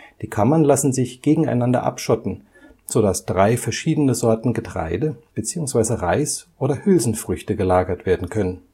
Die Kammern lassen sich gegeneinander abschotten, so dass drei verschiedene Sorten Getreide bzw. Reis oder Hülsenfrüchte gelagert werden können